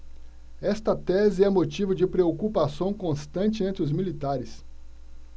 esta tese é motivo de preocupação constante entre os militares